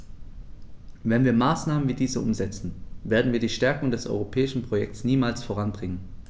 Wenn wir Maßnahmen wie diese umsetzen, werden wir die Stärkung des europäischen Projekts niemals voranbringen.